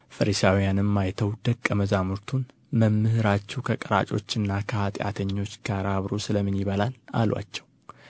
ፈሪሳውያንም አይተው ደቀ መዛሙርቱን መምህራችሁ ከቀራጮችና ከኃጢአተኞች ጋር አብሮ ስለ ምን ይበላል አሉአቸው